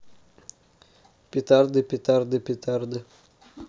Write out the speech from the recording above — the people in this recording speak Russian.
петарды петарды петарды